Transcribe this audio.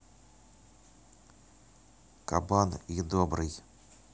кабан и добрый